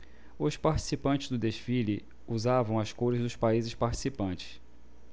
os participantes do desfile usavam as cores dos países participantes